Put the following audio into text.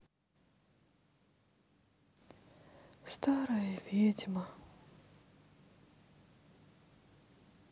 старая ведьма